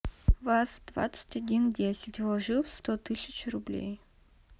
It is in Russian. ваз двадцать один десять вложил в сто тысяч рублей